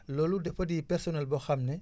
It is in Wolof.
loolu dafa di personnel boo xam ne